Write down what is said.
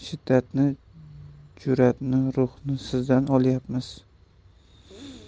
shiddatni jur'atni ruhni sizdan olyapmiz